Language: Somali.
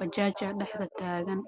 bajaaj dhax taagantahy